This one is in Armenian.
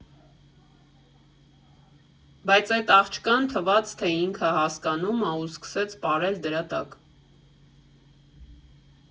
Բայց էդ աղջկան թվաց, թե ինքը հասկանում ա ու սկսեց պարել դրա տակ։